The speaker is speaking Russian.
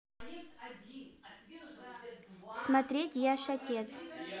смотреть я ж отец